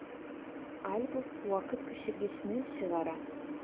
Альбус вакыт күчергечне чыгара.